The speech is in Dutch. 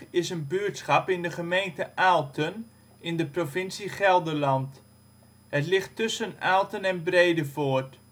is een buurtschap in de gemeente Aalten, provincie Gelderland. Het ligt tussen Aalten en Bredevoort